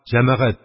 «җәмәгать,